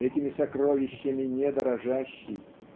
этими сокровищами не дорожащий